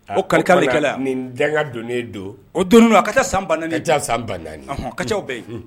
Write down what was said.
O kalekan de kɛra, nin danga donnen don o donnen don a ka ca san 4000 ye, a ka casan 4000 ye, ɔhɔn a ka ca o bɛɛ ye